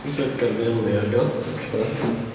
Does 'na'm corneli ar golf course.